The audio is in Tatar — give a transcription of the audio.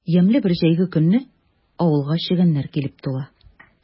Ямьле бер җәйге көнне авылга чегәннәр килеп тула.